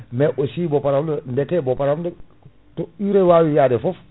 mais aussi bo par deke bo para to urée wawi yade foof